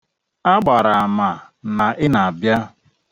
A gbara àmà na ị na-abịa.